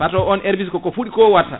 parce on herbicide koko fuɗi ko o watta